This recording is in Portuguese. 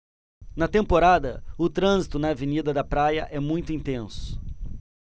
na temporada o trânsito na avenida da praia é muito intenso